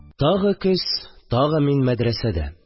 Тагы көз, тагы мин мәдрәсәдә